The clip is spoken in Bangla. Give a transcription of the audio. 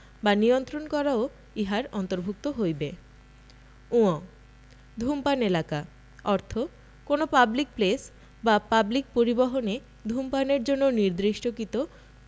বা নিয়ন্ত্রণ করাও ইহার অন্তর্ভুক্ত হইবে ঙ ধূমপান এলাকা অর্থ কোন পাবলিক প্লেস বা পাবলিক পরিবহণে ধূমপানের জন্য নির্দিষ্টকৃত